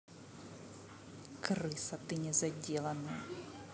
крыса ты незаделанные